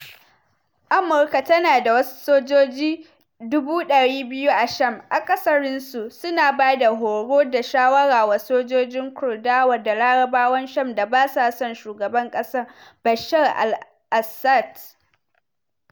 Amurka tana da wasu sojoji 2,000 a Sham, akasarinsu su na ba da horo da shawara wa sojojin Kurdawa da Larabawan Sham da basa son Shugaban kasar Bashar al-Assad.